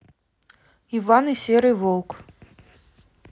иван и серый волк